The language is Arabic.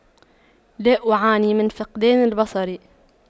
لا أعاني من فقدان البصر